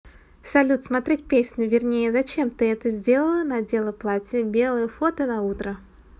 салют смотреть песню вернее зачем ты это сделала надела платье белое фото на утро